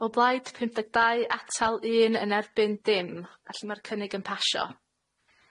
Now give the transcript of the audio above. O blaid, pump deg dau. Atal, un. Yn erbyn, dim. Felly ma'r cynnig yn pasio.